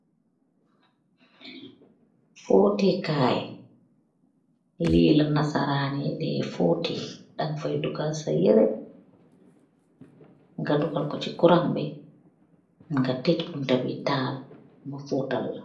Footeh kai, li la nasaran yi di foteh. Dang fai dugal sa yere, nga dugal ko chi kurang bi, nga tech bunta bi taal, mu fotal la.